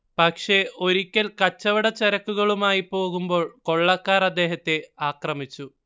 പക്ഷെ ഒരിക്കൽ കച്ചവടച്ചരക്കുകളുമായി പോകുമ്പോൾ കൊള്ളക്കാർ അദ്ദേഹത്തെ ആക്രമിച്ചു